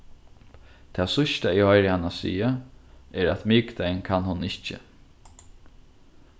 tað síðsta eg hoyri hana siga er at mikudagin kann hon ikki